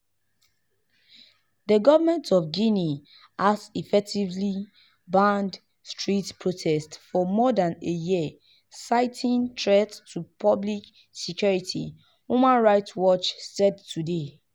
The government of Guinea has effectively banned street protests for more than a year, citing threats to public security, Human Rights Watch said today.